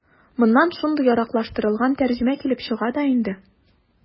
Моннан шундый яраклаштырылган тәрҗемә килеп чыга да инде.